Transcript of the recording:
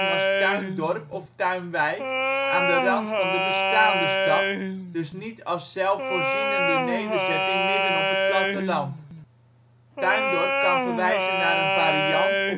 als tuindorp of tuinwijk aan de rand van de bestaande stad, dus niet als zelfvoorzienende nederzetting midden op het platteland. Tuindorp kan verwijzen naar een variant